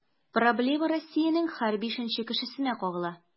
Проблема Россиянең һәр бишенче кешесенә кагыла.